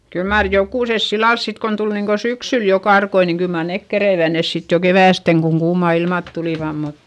kyllä mar jokusessa sillä lailla sitten kun tuli niin kuin syksyllä jo karkkoja niin kyllä mar ne keritsivät ne sitten jo keväästen kun kuumat ilmat tulivat mutta